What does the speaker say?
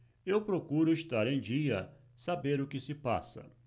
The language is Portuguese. eu procuro estar em dia saber o que se passa